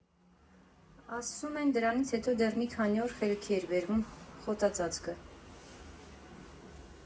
Ասում են՝ դրանից հետո դեռ մի քանի օր խելքի էր բերվում խոտածածկը.